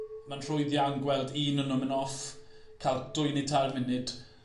ma'n rhwydd iawn gweld un o nw'n myn' off ca'l dwy neu tair munud